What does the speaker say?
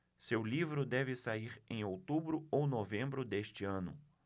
seu livro deve sair em outubro ou novembro deste ano